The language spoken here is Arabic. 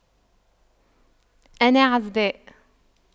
أنا عزباء